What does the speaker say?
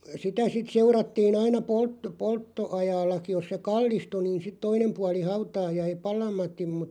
sitä sitten seurattiin aina - polttoajallakin jos se kallistui niin sitten toinen puoli hautaa jäi palamatta mutta